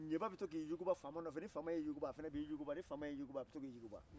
ɲeba bɛ to k'i yuguba faama nɔfɛ ni faama y'i yuguba a fana b'i yuguba ni faama y'i yuguba a bɛ to k'i yuguba